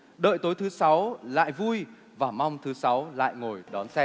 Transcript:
đợi tối thứ sáu lại vui và mong thứ sáu lại ngồi đón xem